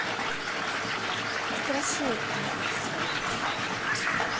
страшилки алиса